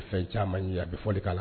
Fɛn caman ɲɛ a bɛ fɔ foli k'a la